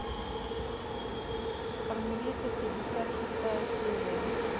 кармелита пятьдесят шестая серия